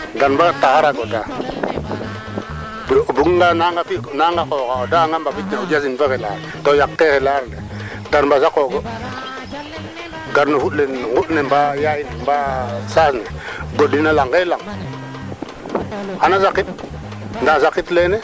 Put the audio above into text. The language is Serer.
ne i mbaaguna organiser it keen teelo uno doongo refu saam ndiing naa moofu koy lumb waage ñak nda o koor deg ko jegoogu a tarmba jeg mbaax jeg laɓ jeg goɓi